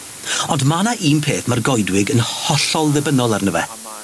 Ond ma' 'na un peth ma'r goedwig yn hollol ddibynnol arno fe.